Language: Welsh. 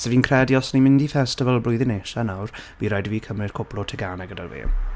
So fi'n credu os o'n ni'n mynd i festival blwyddyn nesa nawr, by' raid i fi cymryd cwbl o tegannau gyda fi.